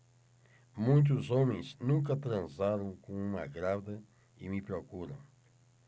muitos homens nunca transaram com uma grávida e me procuram